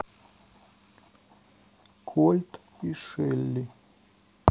кольт и шелли